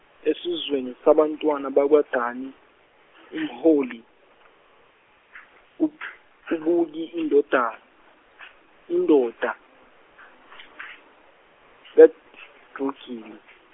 esizweni sabantwana bakwaDani umholi uB- uBuki indodan- indoda kaJogili.